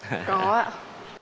có ạ